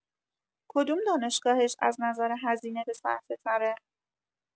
کدوم دانشگاهش از نظر هزینه بصرفه‌تره؟